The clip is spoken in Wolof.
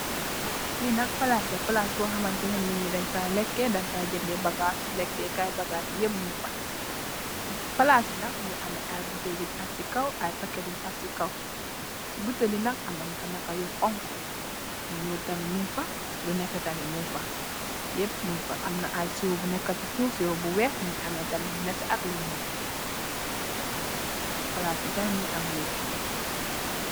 Fii nak plass la, plass bor hamanteh neh nitt njee dengh fa lehkeh, dengh fa jendeh bagassi lehkeh kaii, bagassi yepp mung fa, cii plass bii nak mungy ameh aiiy butehll yungh ahjj cii kaw, aiiy packet yungh ahjj cii kaw, cii butehli nak amna yufa nekue yu honhu, yu njul tamit mung fa, lu nehteh tamit mung fa, yepp mung fa, amna aiiy siwoh bu neka cii suff, siwoh bu wekh mungy ameh tamit lu nehteh ak lu njull, plass bii tamit mungy am lu wekh.